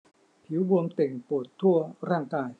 ผิวบวมเต่งปวดทั่วร่างกาย